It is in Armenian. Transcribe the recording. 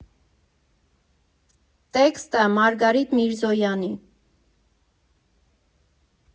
Տեքստը՝ Մարգարիտ Միրզոյանի։